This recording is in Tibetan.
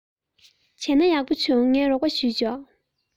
བྱས ན ཡག པོ བྱུང ངས རོགས པ བྱས ཆོག